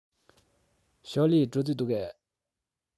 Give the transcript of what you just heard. ཞའོ ལིའི འགྲོ རྩིས འདུག གས